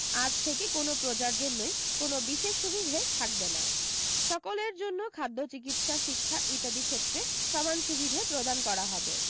আজ থেকে কোনো প্রজার জন্যই কোনো বিশেষ সুবিধে থাকবে না সকলের জন্য খাদ্য চিকিৎসা শিক্ষা ইত্যাদি ক্ষেত্রে সমান সুবিধে প্রদান করা হবে